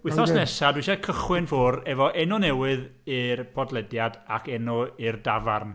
Wythos nesaf dwi isie cychwyn ffwrdd efo enw newydd i'r podlediad ac enw i'r dafarn.